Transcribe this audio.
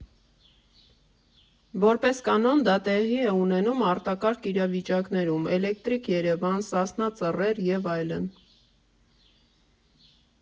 Որպես կանոն, դա տեղի է ունենում արտակարգ իրավիճակներում՝ Էլեկտրիկ Երևան, Սասնա Ծռեր, և այլն։